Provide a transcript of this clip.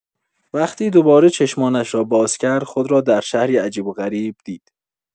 وقتی دوباره چشمانش را باز کرد، خود را در شهری عجیب و غریب دید.